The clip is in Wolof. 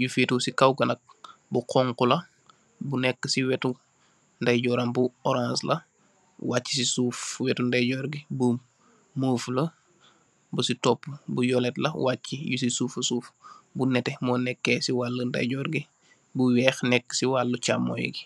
yu fetu sa kawga nak bu xonxo la bu neka se wetu ndeyjorram bu orance la wache se suuf wetu ndeyjorr ge bu morve la buse topu bu yolet la wache yuse suufa suuf bu neteh mu neke se walu ndeyjorr ge bu weex neke se walu chamung ge.